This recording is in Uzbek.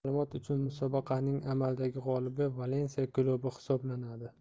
ma'lumot uchun musobaqaning amaldagi g'olibi valensiya klubi hisoblanadi